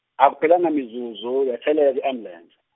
akuphelanga mizuzu yatheleka ambulense.